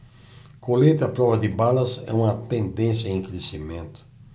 colete à prova de balas é uma tendência em crescimento